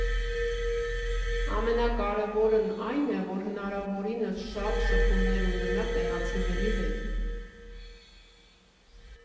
Ամենակարևորն այն է, որ հնարավորինս շատ շփումներ ունենաք տեղացիների հետ։